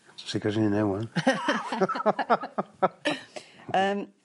sicir so'i ynna ŵan. Yym.